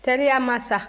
teriya ma sa